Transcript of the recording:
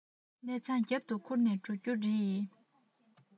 གནས ཚང རྒྱབ ཏུ ཁྱེར ནས འགྲོ རྒྱུ རེད